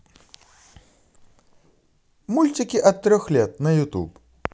мультики от трех лет на ютуб